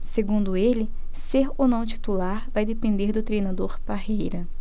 segundo ele ser ou não titular vai depender do treinador parreira